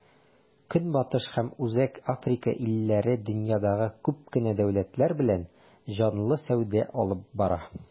Көнбатыш һәм Үзәк Африка илләре дөньядагы күп кенә дәүләтләр белән җанлы сәүдә алып бара.